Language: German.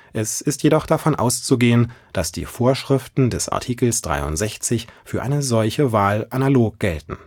Es ist jedoch davon auszugehen, dass die Vorschriften des Artikels 63 für eine solche Wahl analog gelten